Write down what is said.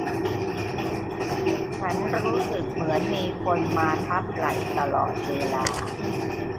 ฉันรู้สึกเหมือนมีคนมาทับไหล่ตลอดเวลา